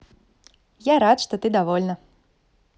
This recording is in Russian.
я рад что ты довольна